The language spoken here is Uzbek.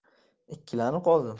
ikkilanib qoldim